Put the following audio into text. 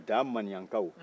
da maniyankaw